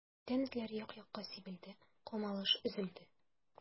Бүтән этләр як-якка сибелде, камалыш өзелде.